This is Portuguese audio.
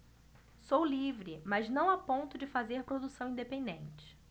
sou livre mas não a ponto de fazer produção independente